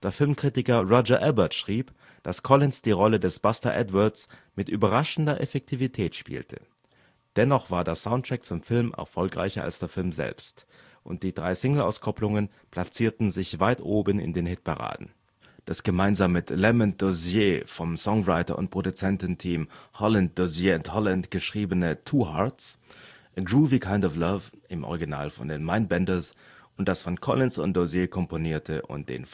Filmkritiker Roger Ebert schrieb, dass Collins die Rolle des Buster Edwards „ mit überraschender Effektivität “spielte; dennoch war der Soundtrack zum Film erfolgreicher als der Film selbst, und die drei Singleauskopplungen platzierten sich weit oben in den Hitparaden: Das gemeinsam mit Lamont Dozier (vom Songwriter - und Produzententeam Holland, Dozier and Holland) geschriebene Two Hearts, A Groovy Kind of Love (im Original von den Mindbenders) und das von Collins und Dozier komponierte und den